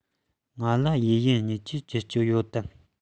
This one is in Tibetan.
ང ལ ཡབ ཡུམ གཉིས ཀྱི རྒྱབ སྐྱོར ཡོད དམ